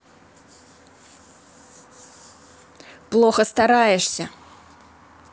плохо стараешься